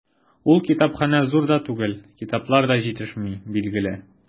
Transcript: Ул китапханә зур да түгел, китаплар да җитешми, билгеле.